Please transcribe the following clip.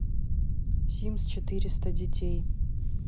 симс четыреста детей